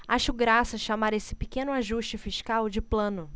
acho graça chamar esse pequeno ajuste fiscal de plano